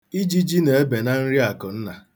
Ijiji na-ebe na nri Akụnna.